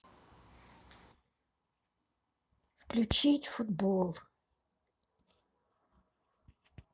включить футбол